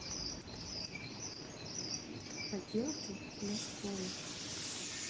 поделки для школы